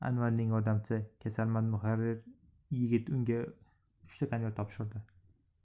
anvarning yordamchisi kasalmand muharrir yigit unga uchta konvert topshirdi